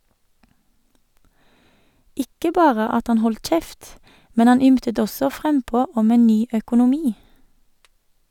Ikke bare at han holdt kjeft, men han ymtet også frempå om en ny økonomi.